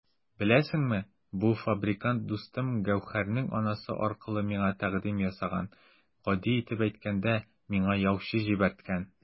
Беләсеңме, бу фабрикант дустым Гәүһәрнең анасы аркылы миңа тәкъдим ясаган, гади итеп әйткәндә, миңа яучы җибәрткән!